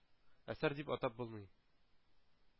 Әсәр дип атап булмый.